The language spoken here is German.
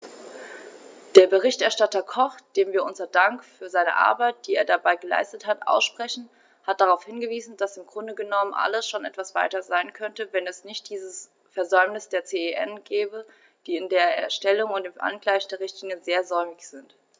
Der Berichterstatter Koch, dem wir unseren Dank für seine Arbeit, die er dabei geleistet hat, aussprechen, hat darauf hingewiesen, dass im Grunde genommen alles schon etwas weiter sein könnte, wenn es nicht dieses Versäumnis der CEN gäbe, die in der Erstellung und dem Angleichen der Richtlinie sehr säumig sind.